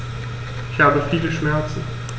Ich habe viele Schmerzen.